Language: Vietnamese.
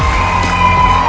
anh